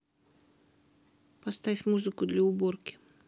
поставь музыку для уборки